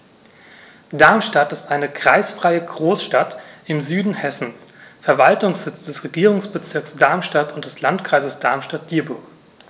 Darmstadt ist eine kreisfreie Großstadt im Süden Hessens, Verwaltungssitz des Regierungsbezirks Darmstadt und des Landkreises Darmstadt-Dieburg.